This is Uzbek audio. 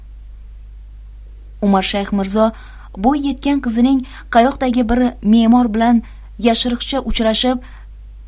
umarshayx mirzo bo'y yetgan qizining qayoqdagi bir me'mor bilan yashi riqcha uchrashib